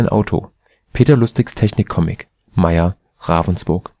Auto? Peter Lustigs Technik-Comic. Maier, Ravensburg